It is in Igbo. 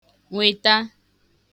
nwèta